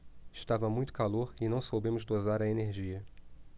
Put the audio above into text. estava muito calor e não soubemos dosar a energia